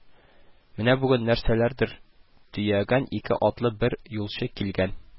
Менә бүген нәрсәләрдер төягән ике атлы бер юлчы килгән